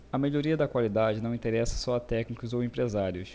a melhoria da qualidade não interessa só a técnicos ou empresários